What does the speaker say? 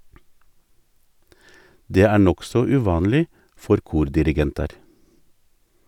Det er nokså uvanleg for kordirigentar.